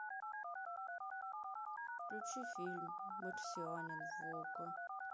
включи фильм марсианин в окко